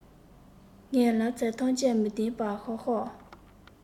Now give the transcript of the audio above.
ངས ལབ ཚད ཐམས ཅད མི བདེན པ ཤག ཤག